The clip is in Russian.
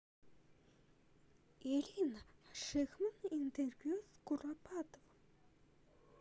ирина шихман интервью с курпатовым